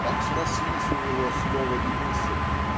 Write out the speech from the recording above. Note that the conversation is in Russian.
так срослись у него слово и мысль